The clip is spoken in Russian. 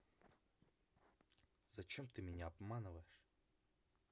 зачем ты меня обманываешь